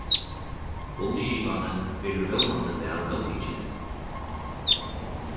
umskipanin verður vónandi væl móttikin